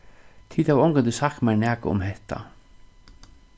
tit hava ongantíð sagt mær nakað um hetta